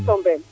bo a Sooɓeem